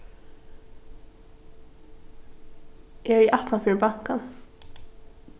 eg eri aftan fyri bankan